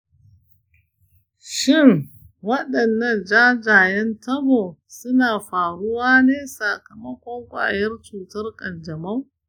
shin wadannan jajayen tabo suna faruwa ne sakamakon kwayar cutar kanjamau?